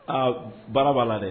Aa baara b'a la dɛ